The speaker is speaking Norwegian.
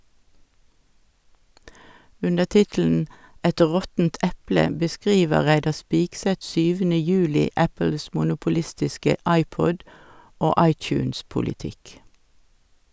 Under tittelen "Et råttent eple" beskriver Reidar Spigseth 7. juli Apples monopolistiske iPod- og iTunes-politikk.